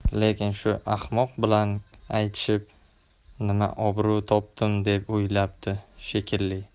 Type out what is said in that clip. lekin shu ahmoq bilan aytishib nima obro' topdim deb o'yladi shekilli